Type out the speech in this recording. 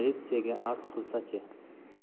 militsiyaga arz qilsa chi